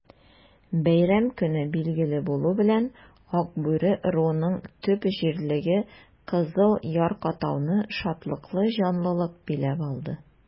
Бәйрәм көне билгеле булу белән, Акбүре ыруының төп җирлеге Кызыл Яр-катауны шатлыклы җанлылык биләп алды.